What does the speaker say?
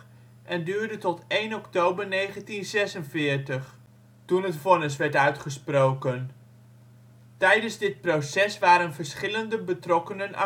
en duurde tot 1 oktober 1946, toen het vonnis werd uitgesproken. Tijdens dit proces waren verschillende betrokkenen